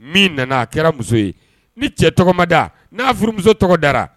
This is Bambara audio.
Min nana a kɛra muso ye ni cɛ tɔgɔ ma da n'a furumuso tɔgɔ dara